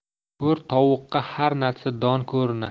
ko'r tovuqqa har narsa don ko'rinar